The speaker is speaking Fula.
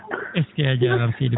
eskey a jaaraama seydi Ba